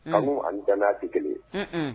Kanu ani dan' a tɛ kelen ye